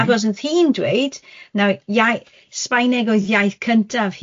Achos oedd hi'n dweud na'r iai- Sbaeneg oedd iaith cyntaf hi